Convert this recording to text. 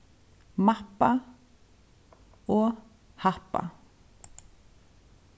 mappa og happa